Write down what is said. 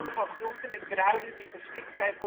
van groenten en kruiden die geschikt zijn